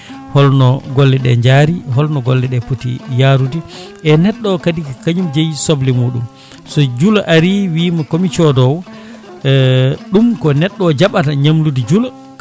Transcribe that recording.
holno golle ɗe jaari holno golleɗe pooti yaarude e neɗɗo o kadi kañum jeeyi soble muɗum so juula aari wiima komi codowo ɗum ko neɗɗo o jaɓata ñamlude juulo